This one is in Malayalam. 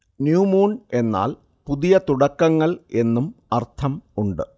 ന്യൂ മൂൺ എന്നാൽ പുതിയ തുടക്കങ്ങൾ എന്നും അര്‍ഥം ഉണ്ട്